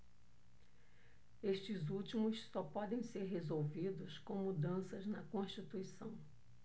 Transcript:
estes últimos só podem ser resolvidos com mudanças na constituição